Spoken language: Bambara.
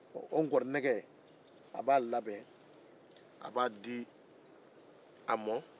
a b'o nkɔrinɛgɛ labɛn k'a di a ma